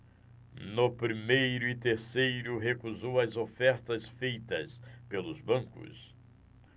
no primeiro e terceiro recusou as ofertas feitas pelos bancos